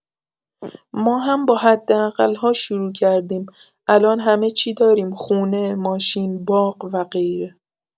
ما هم با حداقل‌ها شروع کردیم الان همه چی داریم خونه، ماشین، باغ و…